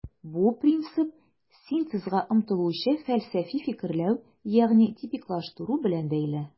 Бу принцип синтезга омтылучы фәлсәфи фикерләү, ягъни типиклаштыру белән бәйле.